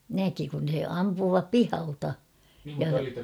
näki kun se ampuvan pihalta ja